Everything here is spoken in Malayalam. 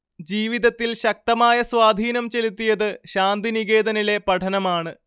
ജീവിതത്തിൽ ശക്തമായ സ്വാധീനം ചെലുത്തിയത് ശാന്തിനികേതനിലെ പഠനമാണ്